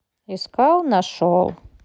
искал нашел